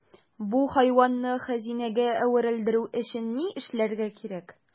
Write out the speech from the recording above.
Бу хайванны хәзинәгә әверелдерү өчен ни эшләргә кирәк?